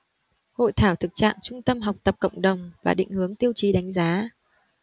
hội thảo thực trạng trung tâm học tập cộng đồng và định hướng tiêu chí đánh giá